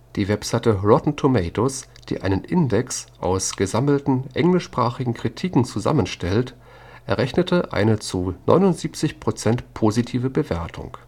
Die Website Rotten Tomatoes, die einen Index aus gesammelten englischsprachigen Kritiken zusammenstellt, errechnete eine zu 79 Prozent positive Bewertung